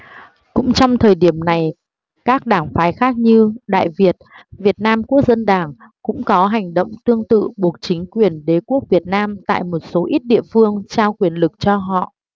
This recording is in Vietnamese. cũng trong thời điểm này các đảng phái khác như đại việt việt nam quốc dân đảng cũng có hành động tương tự buộc chính quyền đế quốc việt nam tại một số ít địa phương trao quyền lực cho họ